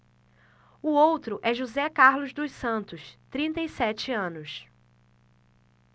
o outro é josé carlos dos santos trinta e sete anos